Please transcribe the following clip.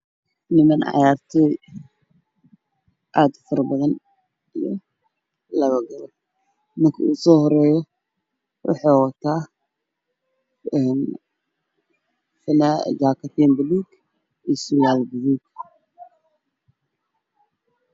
Waa wiilal cayaartooy ah oo aad u faro badan iyo labo gabar. Ninka ugu soo horeeyo jaakad buluug ah iyo surwaal gaduud ah.